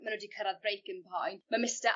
ma' n'w 'di cyrradd breaking point ma' Mr...